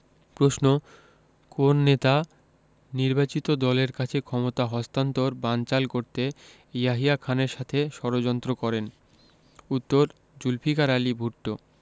প্রশ্ন কোন নেতা নির্বাচিত দলের কাছে ক্ষমতা হস্তান্তর বানচাল করতে ইয়াহিয়া খানের সাথে ষড়যন্ত্র করেন উত্তরঃ জুলফিকার আলী ভুট্ট